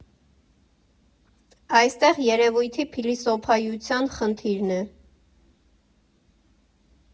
Այստեղ երևույթի փիլիսոփայության խնդիրն է։